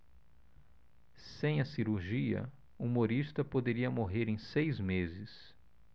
sem a cirurgia humorista poderia morrer em seis meses